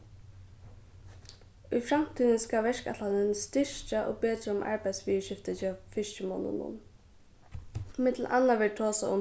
í framtíðini skal verkætlanin styrkja og betra um arbeiðsviðurskifti hjá fiskimonnunum millum annað verður tosað um